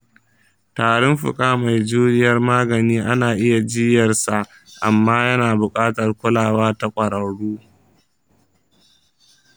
tarin fuka mai juriyar magani ana iya jiyyarsa amma yana buƙatar kulawa ta ƙwararru.